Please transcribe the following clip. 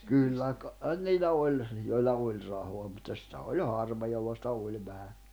kyllä kai niillä oli joilla oli rahaa mutta sitä oli harva jolla sitä oli vähän